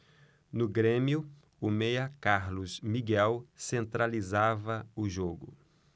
no grêmio o meia carlos miguel centralizava o jogo